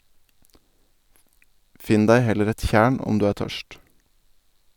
Finn deg heller et tjern om du er tørst.